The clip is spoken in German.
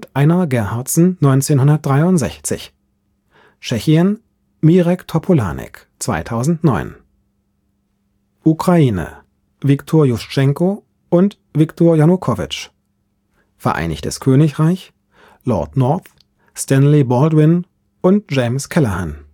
Einar Gerhardsen (1963) Tschechien Mirek Topolánek (2009) Ukraine Wiktor Juschtschenko Wiktor Janukowytsch Vereinigtes Königreich Lord North Stanley Baldwin James Callaghan